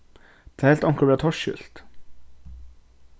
tað helt onkur vera torskilt